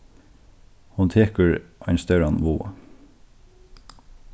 hon tekur ein stóran váða